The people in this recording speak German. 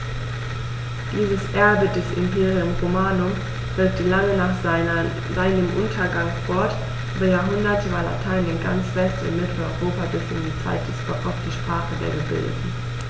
Dieses Erbe des Imperium Romanum wirkte lange nach seinem Untergang fort: Über Jahrhunderte war Latein in ganz West- und Mitteleuropa bis in die Zeit des Barock die Sprache der Gebildeten.